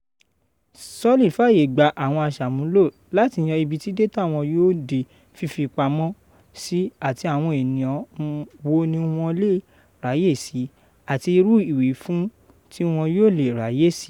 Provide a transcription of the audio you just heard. Solid fààyè gba àwọn aṣàmúlò láti yan ibi tí dátà wọn yóò di fífipamọ́ sí àti àwọn ènìyàn wo ní wọ́n le ráyè sí àti irú ìwífún tí wọ́n le ráyè sí.